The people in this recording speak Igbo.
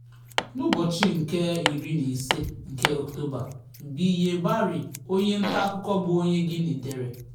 N'ụbọchị 15 nke Ọktoba, Bhiye Bary. onye ntaakụkọ bụ onye Guinea, dere: